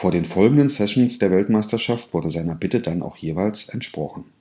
den folgenden Sessions der Weltmeisterschaft wurde seiner Bitte dann auch jeweils entsprochen